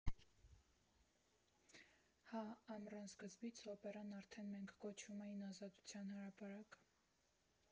Հա՛, ամռան սկզբից Օպերան արդեն մենք կոչում էին Ազատության հրապարակ։